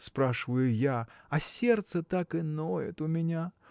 – спрашиваю я, а сердце так и ноет у меня.